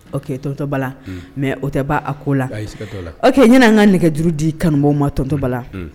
OK tonton Bala mais o tɛ ban a ko la OK yani an ka nɛgɛuru di kanubagaw ma tonton Bala